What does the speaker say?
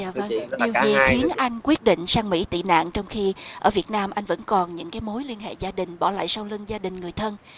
điều gì khiến anh quyết định sang mỹ tị nạn trong khi ở việt nam anh vẫn còn những cái mối liên hệ gia đình bỏ lại sau lưng gia đình người thân